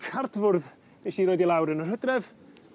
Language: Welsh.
cardfwrdd nesh i roid i lawr yn yr Hydref